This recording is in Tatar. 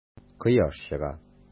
Кояш чыга.